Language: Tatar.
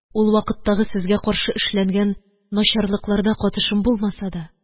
Ул вакыттагы сезгә каршы эшләнгән начарлыкларда катышым булмаса да